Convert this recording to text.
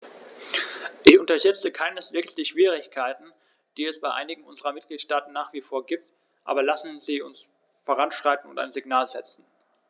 Ich unterschätze keineswegs die Schwierigkeiten, die es bei einigen unserer Mitgliedstaaten nach wie vor gibt, aber lassen Sie uns voranschreiten und ein Signal setzen.